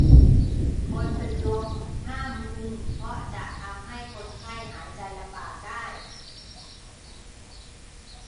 คนเป็นลมห้ามมุงเพราะจะทำให้คนไข้หายใจลำบากได้